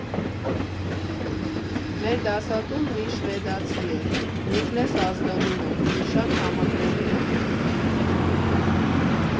Մեր դասատուն մի շվեդացի էր՝ Նիկլես ազգանունով, մի շատ համակրելի մարդ։